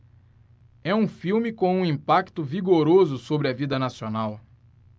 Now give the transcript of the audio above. é um filme com um impacto vigoroso sobre a vida nacional